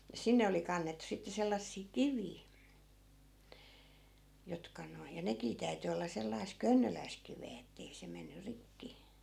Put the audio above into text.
ja sinne oli kannettu sitten sellaisia kiviä jotka nuo ja nekin täytyi olla sellaista könnöläistä kiveä että ei se mennyt rikki